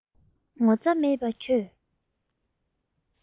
ངོ ཚ མེད པ ཁྱོད